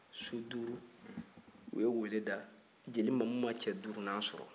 su duuru u ye weele da jeli mamu ma cɛ duurunan sɔrɔ